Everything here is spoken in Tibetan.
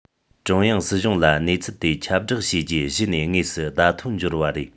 ཀྲུང དབྱང སྲིད གཞུང ལ གནས ཚུལ དེ ཁྱབ བསྒྲགས བྱས རྗེས གཞི ནས དངོས སུ བརྡ ཐོ འབྱོར པ རེད